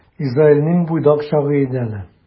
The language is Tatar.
Изаилнең буйдак чагы иде әле.